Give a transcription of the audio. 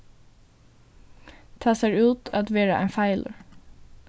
tað sær út at vera ein feilur